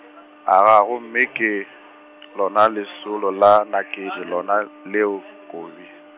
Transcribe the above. agaa gomme ke , lona lesolo la Nakedi lona leo, Kobi.